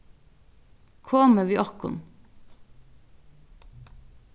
komið við okkum